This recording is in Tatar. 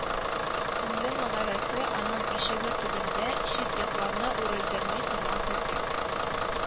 Ле мәгарәсе, аның ишеге төбендә чит-ятларны үрелдерми торган, күзгә